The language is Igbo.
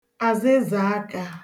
àzịzàakā